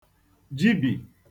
jibi